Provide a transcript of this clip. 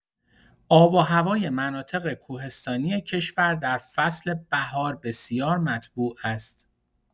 آب و هوای مناطق کوهستانی کشور در فصل بهار بسیار مطبوع است.